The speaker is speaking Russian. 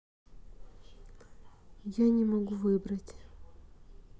я не могу выбрать